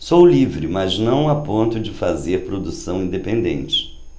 sou livre mas não a ponto de fazer produção independente